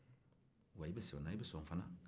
wa e bɛ sɔn n'a i bɛ sɔn fana